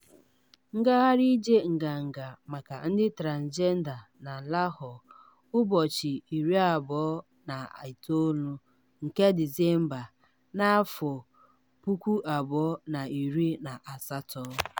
Ngagharị Ije Nganga Maka Ndị Transịjenda na Lahore, ụbọchị 29 nke Disemba, 2018.